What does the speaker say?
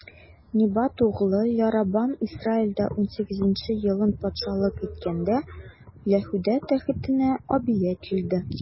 Небат углы Яробам Исраилдә унсигезенче елын патшалык иткәндә, Яһүдә тәхетенә Абия килде.